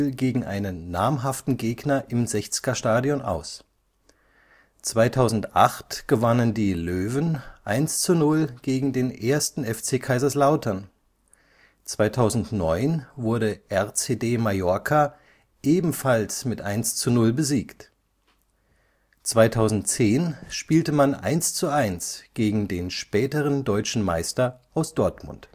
gegen einen namhaften Gegner im Sechzgerstadion aus. 2008 gewannen die Löwen 1:0 gegen den 1. FC Kaiserslautern, 2009 wurde RCD Mallorca ebenfalls mit 1:0 besiegt. 2010 spielte man 1:1 gegen den späteren Deutschen Meister aus Dortmund